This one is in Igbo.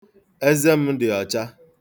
Eze m dị ọcha